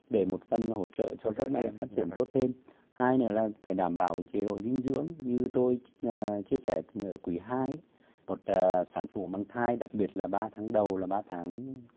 để một phần là hỗ trợ cho các mẹ phát triển tốt thêm hai nữa là phải đảm bảo cái chế độ dinh dưỡng như tôi chia sẻ ở quý hai ấy một à sản phụ mang thai đặc biệt là ba tháng đầu là ba tháng